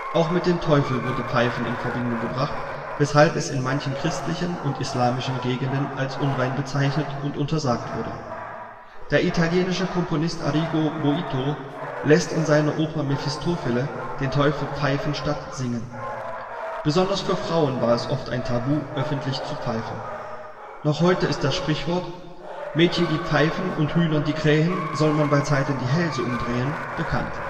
Auch mit dem Teufel wurde Pfeifen in Verbindung gebracht, weshalb es in manchen christlichen und islamischen Gegenden als unrein bezeichnet und untersagt wurde. Der italienische Komponist Arrigo Boito lässt in seiner Oper Mefistofele den Teufel pfeifen statt singen. Besonders für Frauen war es oft ein Tabu, öffentlich zu pfeifen. Noch heute ist das Sprichwort " Mädchen, die pfeifen, und Hühnern, die krähen, soll man beizeiten die Hälse umdrehen " bekannt